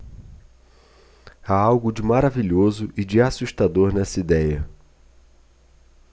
há algo de maravilhoso e de assustador nessa idéia